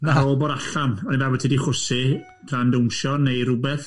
Na hwb o'r allan, o'n i'n meddwl bo' ti wedi chwysu tra'n dawnsio neu rywbeth.